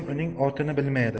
kim uning otini bilmaydi